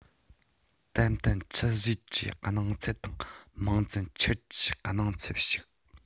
ཏན ཏན ཆུད ཟོས ཀྱི སྣང ཚུལ དང མང ཙམ ཁྱེར ཀྱི སྣང ཚུལ ཞིག